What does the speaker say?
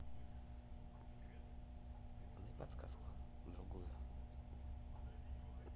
дай подсказку другую